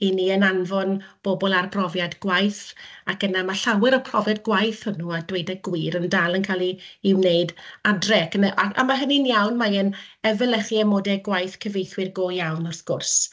'y ni yn anfon bobl ar brofiad gwaith, ac yna ma' llawer o profiad gwaith hwnnw, a dweud y gwir, yn dal yn cael 'i 'i wneud adre. Ac yn y... a ma' hynny'n iawn, mae e'n efelychu amodau gwaith cyfieithwyr go iawn wrth gwrs.